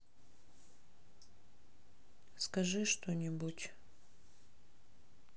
скажи что нибудь